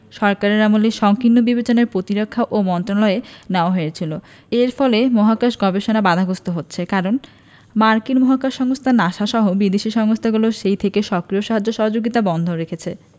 সরকারের আমলে সংকীর্ণ বিবেচনায় প্রতিরক্ষা মন্ত্রণালয়ে নেওয়া হয়েছিল এর ফলে মহাকাশ গবেষণা বাধাগ্রস্ত হচ্ছে কারণ মার্কিন মহাকাশ সংস্থা নাসা সহ বিদেশি সংস্থাগুলো সেই থেকে সক্রিয় সাহায্য সহযোগিতা বন্ধ রেখেছে